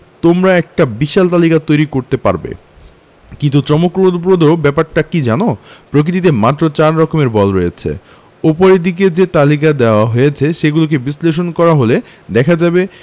তোমরা একটা বিশাল তালিকা তৈরি করতে পারবে কিন্তু চমকপ্রদ ব্যাপারটি কী জানো প্রকৃতিতে মাত্র চার রকমের বল রয়েছে ওপরে যে তালিকা দেওয়া হয়েছে সেগুলোকে বিশ্লেষণ করা হলে দেখা যাবে